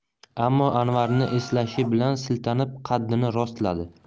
ammo anvarni eslashi bilan siltanib qaddini rostladi